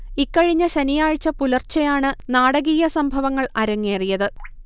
ഇക്കഴിഞ്ഞ ശനിയാഴ്ച പുലർച്ചയാണ് നാടകീയ സംഭവങ്ങൾ അരങ്ങറേിയത്